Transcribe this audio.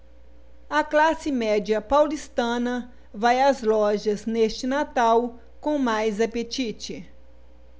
a classe média paulistana vai às lojas neste natal com mais apetite